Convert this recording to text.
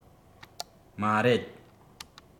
མ རེད